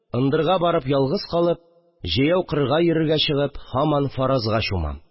Ындырга барып ялгыз калып, җәяү кырга йөрергә чыгып, һаман фаразга чумам